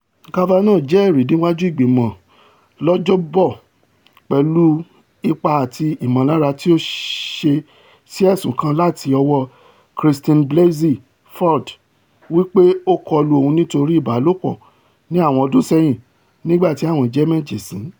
Kavanaugh jẹ́ ẹ̀rí niwaju Ìgbìmọ̀ lọ́jọ́ 'Bọ̀, pẹ̀lú ipá àti ìmọ̀lára tí ó sì ńṣẹ́ sí ẹ̀sùn kan láti ọwọ́ Christine Blasey Ford wí pé ó kọlu òun nítorí ìbálòpọ̀ ní awọn ọdún sẹ́yìn nígbàti àwọn jẹ́ màjèsín.